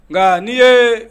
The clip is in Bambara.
Nka n' ye